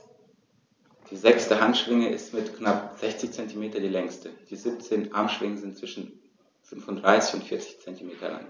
Die sechste Handschwinge ist mit knapp 60 cm die längste. Die 17 Armschwingen sind zwischen 35 und 40 cm lang.